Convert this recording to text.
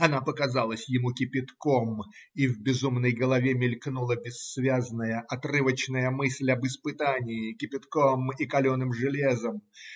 Она показалась ему кипятком, и в безумной голове мелькнула бессвязная отрывочная мысль об испытании кипятком и каленым железом.